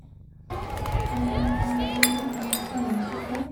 Og det var spennende å se.